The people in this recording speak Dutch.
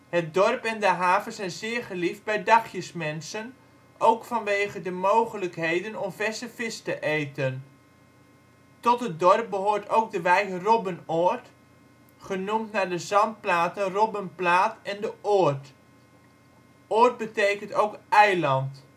Het dorp en de haven zijn zeer geliefd bij dagjesmensen, ook vanwege de mogelijkheden om verse vis te eten. Tot het dorp behoort ook de wijk Robbenoort, genoemd naar de zandplaten Robbenplaat en de Oort. Oort betekent ook eiland